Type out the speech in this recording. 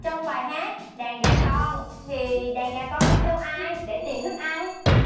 trong bài hát đàn gà con thì đàn gà con đi theo ai để tìm thức ăn